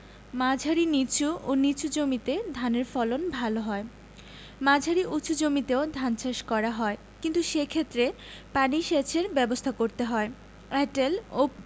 মাঝারি নিচু ও নিচু জমিতে ধানের ফলন ভালো হয় মাঝারি উচু জমিতেও ধান চাষ করা হয় কিন্তু সেক্ষেত্রে পানি সেচের ব্যাবস্থা করতে হয় এঁটেল ও